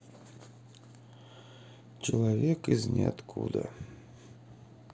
человек из ниоткуда